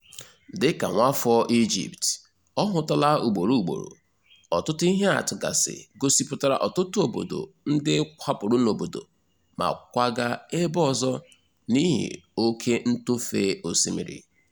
Dịka nwaafọ Ijipt, ọ hụtala ugboro ugboro, ọtụtụ iheatụ gasị gosipụtara ọtụtụ obodo ndị kwapụrụ n'obodo ma kwaga ebe ọzọ n'ihi oke ntofe osimiri.